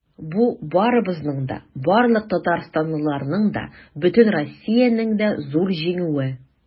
Бу барыбызның да, барлык татарстанлыларның да, бөтен Россиянең дә зур җиңүе.